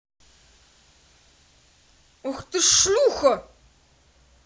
ах ты шлюха